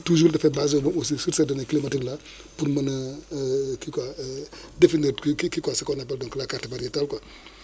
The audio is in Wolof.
toujours dafay basé wu moom aussi sur ses données climatiques là pour mën a kii quoi définir kii kii quoi ce qu' on appelle donc la carte variétale quoi